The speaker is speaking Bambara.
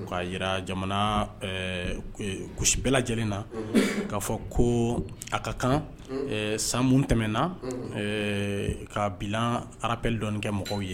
K'a jira jamana ɛ couches bɛɛ lajɛlen na, unhun, k'a fɔ ko a ka kan, unhun, san minnu tɛmɛna ka bilan rappel dɔnni kɛ mɔgɔw ye.